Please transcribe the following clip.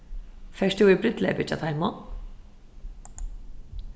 fert tú í brúdleypið hjá teimum